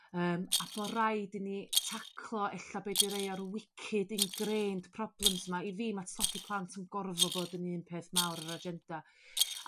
Yym a bo raid i ni taclo ella be' 'di rei o'r wicked engrained problems 'ma i fi ma tlodi plant yn gorfo bod yn un peth mawr yr agenda.